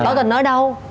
tỏ tình ở đâu